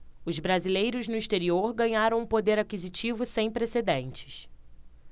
os brasileiros no exterior ganharam um poder aquisitivo sem precedentes